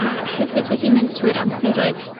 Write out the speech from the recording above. a hefyd wedi mynd trwy'r amseroedd